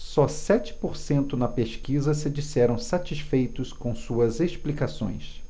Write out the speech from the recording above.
só sete por cento na pesquisa se disseram satisfeitos com suas explicações